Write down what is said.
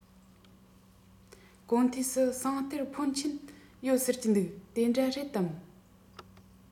གོ ཐོས སུ ཟངས གཏེར འཕོན ཆེན ཡོད ཟེར གྱི འདུག དེ འདྲ རེད དམ